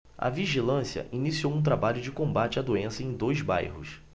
a vigilância iniciou um trabalho de combate à doença em dois bairros